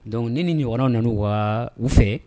Dɔnkuc ni ni ɲɔgɔnyɔrɔ nana wa u fɛ